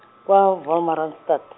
kwa Wolmaranstad.